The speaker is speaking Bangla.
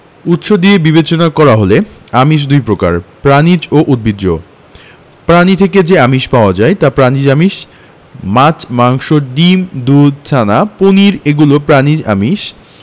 উৎস দিয়ে বিবেচনা করা হলে আমিষ দুই প্রকার প্রাণিজ ও উদ্ভিজ্জ প্রাণী থেকে যে আমিষ পাওয়া যায় তা প্রাণিজ আমিষ মাছ মাংস ডিম দুধ ছানা পনির এগুলো প্রাণিজ আমিষ